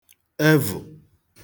evụ̀